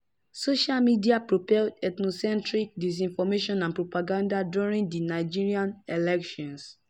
Social media propelled ethnocentric disinformation and propaganda during the Nigerian elections